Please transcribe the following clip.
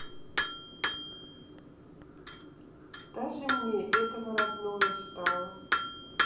даже мне этого родное стало